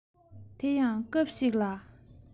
དེ ཡང སྐབས ཤིག ལ